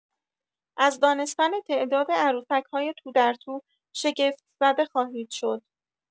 از دانستن تعداد عروسک‌های تودرتو شگفت‌زده خواهید شد.